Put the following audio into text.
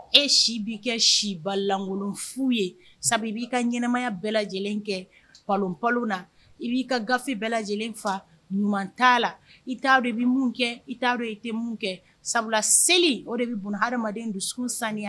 Ei kɛ sibalankolon fu ye i b'i ka ɲɛnɛmaya bɛɛ kɛ na i b'i ka gafe bɛɛ lajɛlen ɲuman la i t kɛ i i tɛ kɛ sabula seli o de bɛ hadamaden don sunsan